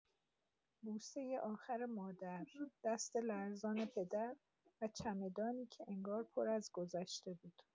بوسۀ آخر مادر، دست لرزان پدر، و چمدانی که انگار پر از گذشته بود.